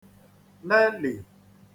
lelì